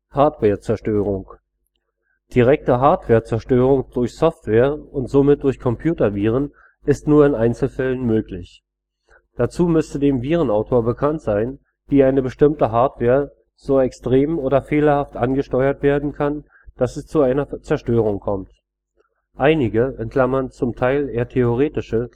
Hardwarezerstörung Direkte Hardwarezerstörung durch Software und somit durch Computerviren ist nur in Einzelfällen möglich. Dazu müsste dem Virenautor bekannt sein, wie eine bestimmte Hardware so extrem oder fehlerhaft angesteuert werden kann, dass es zu einer Zerstörung kommt. Einige (z. T. eher theoretische